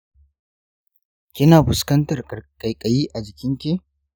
kina fuskantar ƙaiƙayi a jikin ki?